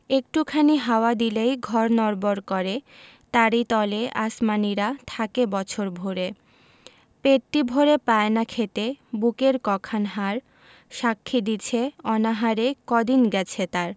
একটু খানি হাওয়া দিলেই ঘর নড়বড় করে তারি তলে আসমানীরা থাকে বছর ভরে পেটটি ভরে পায়না খেতে বুকের কখান হাড় সাক্ষী দিছে অনাহারে কদিন গেছে তার